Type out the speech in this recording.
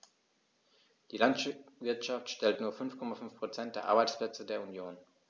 Die Landwirtschaft stellt nur 5,5 % der Arbeitsplätze der Union.